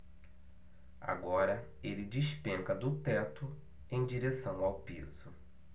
agora ele despenca do teto em direção ao piso